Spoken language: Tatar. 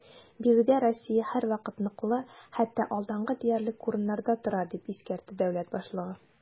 Биредә Россия һәрвакыт ныклы, хәтта алдынгы диярлек урыннарда тора, - дип искәртте дәүләт башлыгы.